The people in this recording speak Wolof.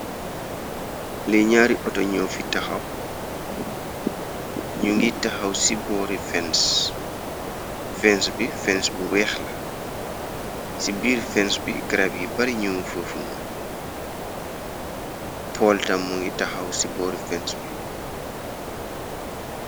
Li ñaari autoñoo fi taxaw, ñu ngiy taxaw ci boori fenc, bi fenns bu weex la, ci biir fenc bi grab yi bari ñu foefunu, pool tammu ngi taxaw ci boori fennc bi.